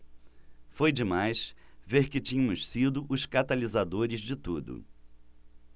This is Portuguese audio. foi demais ver que tínhamos sido os catalisadores de tudo